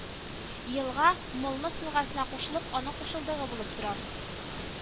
Елга Молмыс елгасына кушылып, аның кушылдыгы булып тора